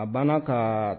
A banna ka